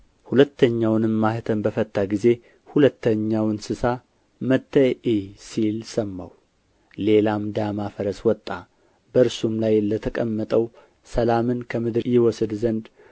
ሁለተኛውንም ማኅተም በፈታ ጊዜ ሁለተኛው እንስሳ መጥተህ እይ ሲል ሰማሁ ሌላም ዳማ ፈረስ ወጣ በእርሱም ላይ ለተቀመጠው ሰላምን ከምድር ይወስድ ዘንድ